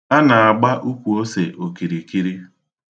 A na-agba ukwu ose okirikiri.